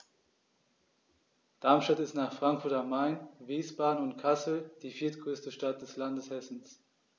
Darmstadt ist nach Frankfurt am Main, Wiesbaden und Kassel die viertgrößte Stadt des Landes Hessen